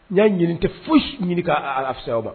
N y'a ɲini tɛ foyi ɲini ka alafasa aw ma